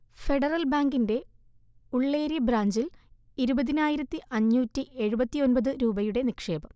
federal ബാങ്കിൻെറ ഉള്ള്യേരി ബ്രാഞ്ചിൽ ഇരുപതിനായിരത്തി അഞ്ഞൂറ്റി എഴുപത്തിയൊന്‍പത് രൂപയുടെ നിക്ഷേപം